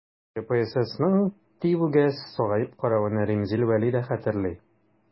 КПССның ТИҮгә сагаеп каравын Римзил Вәли дә хәтерли.